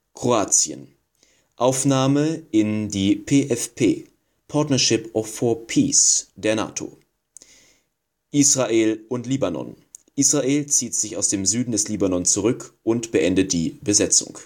Kroatien: Aufnahme in die PfP (Partnership for Peace) der NATO. Israel und Libanon: Israel zieht sich aus dem Süden des Libanon zurück und beendet die Besetzung